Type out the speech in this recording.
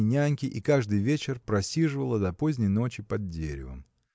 ни няньки и каждый вечер просиживала до поздней ночи под деревом.